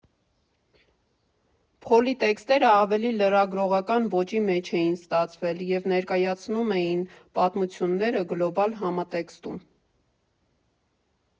Փոլի տեքստերը ավելի լրագրողական ոճի մեջ էին ստացվել և ներկայացնում էին պատմությունները գլոբալ համատեքստում։